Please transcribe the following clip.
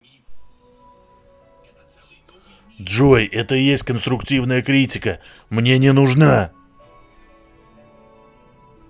джой это есть конструктивная критика мне не нужна